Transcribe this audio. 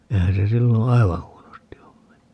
eihän se silloin aivan huonosti ole mennyt